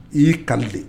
I y'i kali de